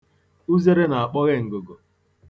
Uzere na-akpọghe ngụgụ.